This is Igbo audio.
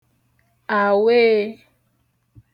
àweē